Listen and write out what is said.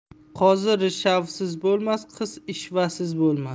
qozi rishvasiz bo'lmas qiz ishvasiz bo'lmas